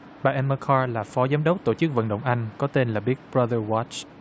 bà em mơ co là phó giám đốc tổ chức vận động anh có tên là bích bờ roa giờ goắt